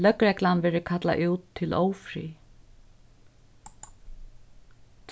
løgreglan verður kallað út til ófrið